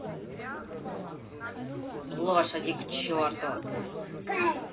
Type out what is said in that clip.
лошади к черту